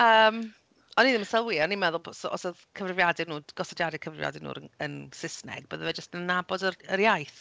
Yym, o'n i ddim yn sylwi. O'n i'n meddwl b- os oedd cyfrifiadur nhw... gosodiadau cyfrifiadur nhw yn r- yn Saesneg bydde fe jyst yn nabod yr yr iaith. ...Ie.